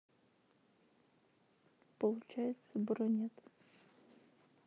получается бро нет